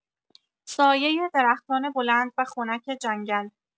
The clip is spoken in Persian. سایۀ درختان بلند و خنک جنگل